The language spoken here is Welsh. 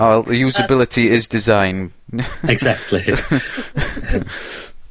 A wel the usability is design. Exactly